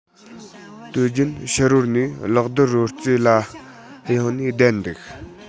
དུས རྒྱུན ཕྱི རོལ ནས གློག རྡུལ རོལ རྩེད ལ གཡེང ནས བསྡད འདུག